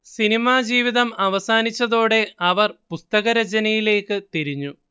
cinema ജീവിതം അവസാനിച്ചതോടെ അവർ പുസ്തക രചനയിലേക്കു തിരിഞ്ഞു